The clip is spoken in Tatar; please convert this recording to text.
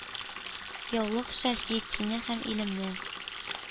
Яулык шаһит: сине һәм илемне